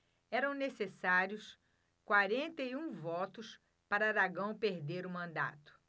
eram necessários quarenta e um votos para aragão perder o mandato